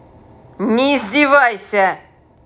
не издевайся